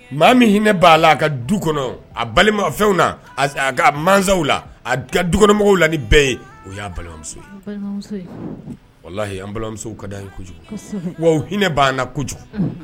Maa min hinɛ b'a la a ka du kɔnɔ a balima fɛnw na a masaw la dukɔnɔmɔgɔww la ni bɛɛ ye o y' balimamuso ye walahi an balimamusow ka ye kojugu hinɛ b'a kojugu